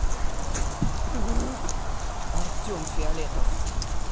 артем фиолетов